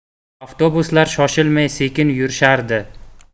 avtobuslar shoshilmay sekin yurishardi